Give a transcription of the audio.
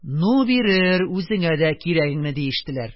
Ну, бирер үзеңә дә кирәгеңне! - диештеләр.